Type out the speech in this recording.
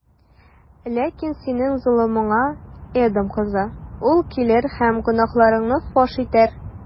Ләкин синең золымыңа, Эдом кызы, ул килер һәм гөнаһларыңны фаш итәр.